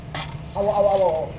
Awɔ, awɔ, awɔ!